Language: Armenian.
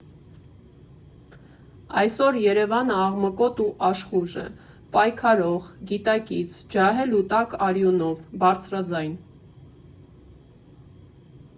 Այսօր Երևանը աղմկոտ ու աշխույժ է, պայքարող, գիտակից, ջահել ու տաք արյունով, բարձրաձայն։